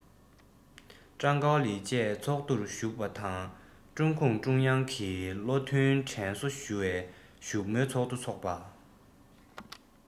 ཀྲང ཀའོ ལི བཅས ཚོགས འདུར ཞུགས པ དང ཀྲུང གུང ཀྲུང དབྱང གིས བློ མཐུན དྲན གསོ ཞུ བའི བཞུགས མོལ ཚོགས འདུ འཚོགས པ